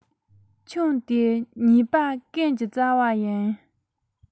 ཆང དེ ཉེས པ ཀུན གྱི རྩ བ ཡིན